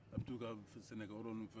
aw bɛ taa u ka sɛnɛ yɔrɔ fɛn